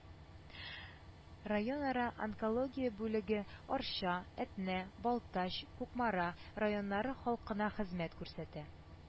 Районара онкология бүлеге Арча, Әтнә, Балтач, Кукмара районнары халкына хезмәт күрсәтә